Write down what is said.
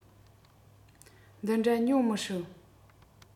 འདི འདྲ ཉོ མི སྲིད